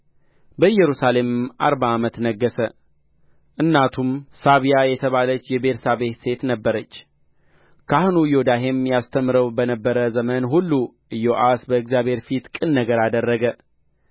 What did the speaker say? በኢየሩሳሌምም አርባ ዓመት ነገሠ እናቱም ሳብያ የተባለች የቤርሳቤህ ሴት ነበረች ካህኑ ዮዳሄም ያስተምረው በነበረ ዘመን ሁሉ ኢዮአስ በእግዚአብሔር ፊት ቅን ነገር አደረገ